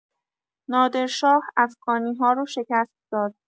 نادر شاه افغانی‌ها رو شکست داد